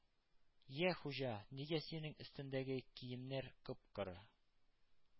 — йә хуҗа, нигә синең өстеңдәге киемнәр коп-коры,